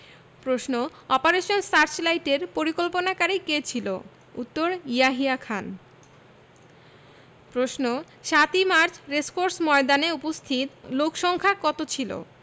প্রশ্ন অপারেশন সার্চলাইটের পরিকল্পনাকারী কে ছিল উত্তর ইয়াহিয়া খান প্রশ্ন ৭ই মার্চ রেসকোর্স ময়দানে উপস্থিত লোকসংক্ষা কত ছিলো